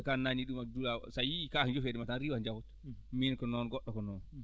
ka nanni ɗum e duwaw sa yii kake juhima ɗum tan a riiwat jawta min ko noon goɗɗo ko noon